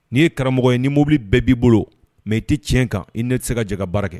N'i ye karamɔgɔ in n ni mobili bɛɛ b'i bolo mɛ i tɛ tiɲɛ kan i ne tɛ se ka ja baara kɛ